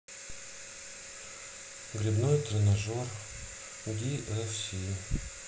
гребной тренажер ди эф си